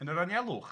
...yn yr anialwch.